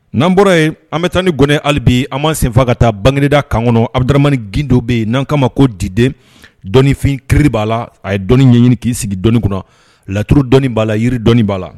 Nan bɔra yen an bɛ taa ni gɛ halibi an m ma senfa ka taa bangegda kan kɔnɔ a bɛdimani gin dɔ bɛ yen n'an kama ko diden dɔnniifin kiiri b'a la a ye dɔn ɲɛ ɲini k'i sigi dɔnni kɔnɔ laturu dɔnnii'a la yiridɔni b'a la